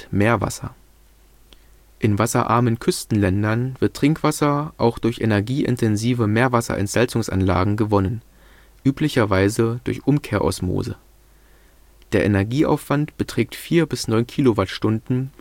Meerwasser In wasserarmen Küstenländern wird Trinkwasser auch durch energieintensive Meerwasserentsalzungsanlagen gewonnen, üblicherweise durch Umkehrosmose. Der Energieaufwand beträgt 4 bis 9 Kilowattstunden